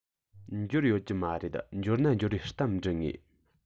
འབྱོར ཡོད ཀྱི མ རེད འབྱོར ན འབྱོར བའི གཏམ འབྲི ངེས